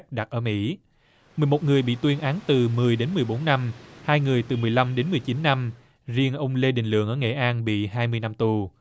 đặt ở mỹ mười một người bị tuyên án từ mười đến mười bốn năm hai người từ mười lăm đến mười chín năm riêng ông lê đình lượng ở nghệ an bị hai mươi năm tù